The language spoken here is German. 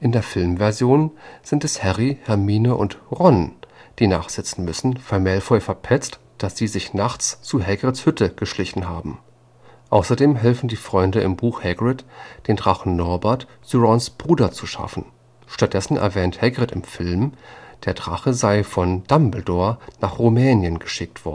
der Filmversion sind es Harry, Hermine und Ron, die nachsitzen müssen, weil Malfoy verpetzt, dass sie sich nachts zu Hagrids Hütte geschlichen haben. Außerdem helfen die Freunde im Buch Hagrid, den Drachen Norbert zu Rons Bruder zu schaffen. Stattdessen erwähnt Hagrid im Film, der Drache sei von Dumbledore nach Rumänien geschickt